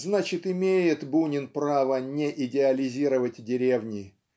Значит, имеет Бунин право не идеализировать деревни